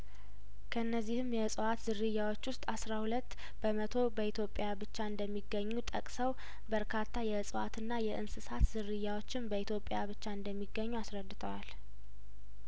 ከነዚህም የእጽዋት ዝርያዎች ውስጥ አስራ ሁለት በመቶው በኢትዮጵያ ብቻ እንደሚገኙ ጠቅሰው በርካታ የእጽዋትና የእንስሳት ዝርያዎችም በኢትዮጵያ ብቻ እንደሚገኙ አስረድተዋል